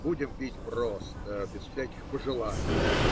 Будем пить просто, без всяких пожеланий.